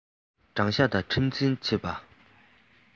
དྲང གཞག ངང ཁྲིམས འཛིན བྱེད པ